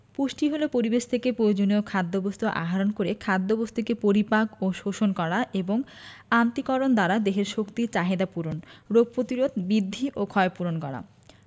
পুষ্টি হলো পরিবেশ থেকে পয়োজনীয় খাদ্যবস্তু আহরণ করে খাদ্যবস্তুকে পরিপাক ও শোষণ করা এবং আত্তীকরণ দ্বারা দেহের শক্তির চাহিদা পূরণ রোগ পতিরোধ বিদ্ধি ও ক্ষয়পূরণ করা